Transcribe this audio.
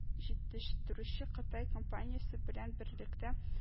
Җитештерүче кытай компаниясе белән берлектә